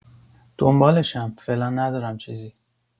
دنبالشم فعلا ندارم چیزی